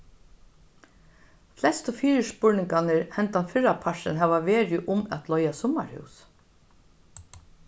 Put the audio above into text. flestu fyrispurningarnir hendan fyrrapartin hava verið um at leiga summarhús